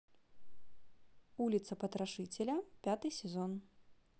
улица потрошителя пятый сезон